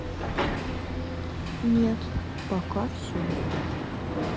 нет пока все